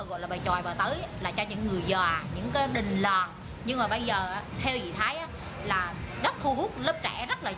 là bài chòi và tới lại cho những người già những gia đình làng nhưng bây giờ theo chị thấy là rất thu hút lớp trẻ rất là